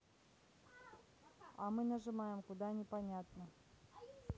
а мы нажимаем куда непонятно